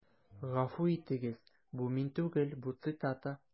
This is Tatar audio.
Гафу итегез, бу мин түгел, бу цитата.